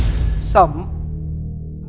xẩm